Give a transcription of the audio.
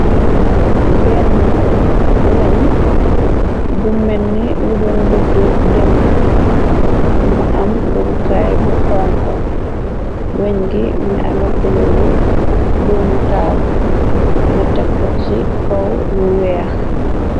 Benn weñ bu menni lu doon bëgg dëng mu am gebukaay bu xonko. Weñ gi mi nga ame kulooru doomu taal nga teko ci kow lu weex.